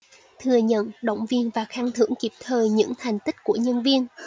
thừa nhận động viên và khen thưởng kịp thời những thành tích của nhân viên